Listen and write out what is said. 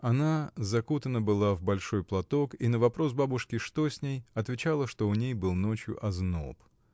Она закутана была в большой платок, и на вопрос бабушки, что с ней, отвечала, что у ней был ночью озноб.